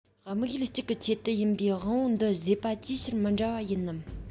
དམིགས ཡུལ གཅིག གི ཆེད དུ ཡིན པའི དབང པོ འདི བཟོས པ ཅིའི ཕྱིར མི འདྲ བ ཡིན ནམ